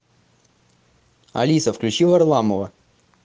алиса включи варламова